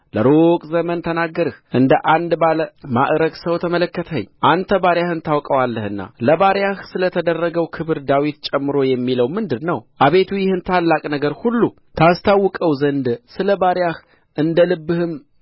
ለሩቅ ዘመን ተናገርህ እንደ አንድ ባለ ማዕርግ ሰው ተመለከትኸኝ አንተ ባሪያህን ታውቀዋለህና ለባሪያህ ስለ ተደረገ ክብር ዳዊት ጨምሮ የሚለው ምንድር ነው አቤቱ ይህን ታላቅ ነገር ሁሉ ታስታውቀው ዘንድ ስለ ባሪያህ እንደ ልብህም